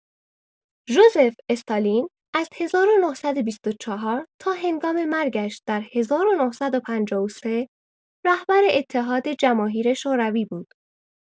ژوزف استالین از ۱۹۲۴ تا هنگام مرگش در ۱۹۵۳ رهبر اتحاد جماهیر شوروی بود.